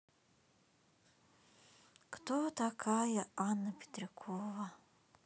кто такая анна петрякова